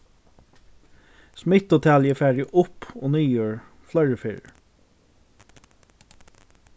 smittutalið er farið upp og niður fleiri ferðir